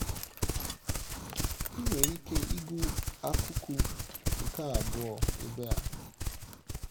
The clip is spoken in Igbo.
I nwere ike ịgụ akụkụ nke abụọ ebe a.